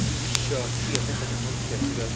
Ddim isio trio pethau 'dyn nhw'm yn licio, ti'n gwbod.